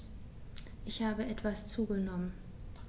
Ich habe etwas zugenommen